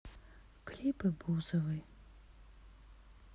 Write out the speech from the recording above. клипы бузовой